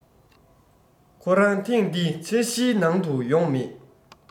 ཁོ རང ཐེང འདི ཆ གཞིའི ནང དུ ཡོང མེད